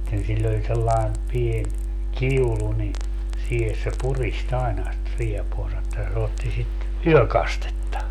sitten sillä oli sellainen pieni kiulu niin siihen se puristi aina sitä riepuansa että se otti sitä yökastetta